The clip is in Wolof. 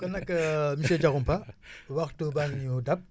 kon nag monsieur Diakhoumpa waxtu baa ngi ñu dab